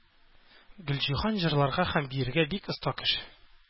Гөлҗиһан җырларга һәм биергә бик оста кеше.